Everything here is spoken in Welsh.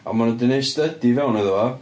A maen nhw 'di wneud study fewn iddo fo.